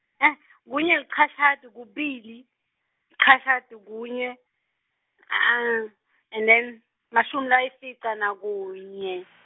kunye licashata kubili, licashata kunye, and then, mashumi layimfica nakunye.